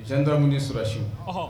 Diɲɛtan minnu sirasiw